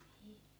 niin